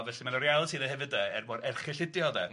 A felly mae yna realiti yna hefyd de er mor erchyll ydi o de.